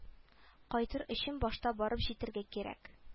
Кайтыр өчен башта барып җитәргә кирәк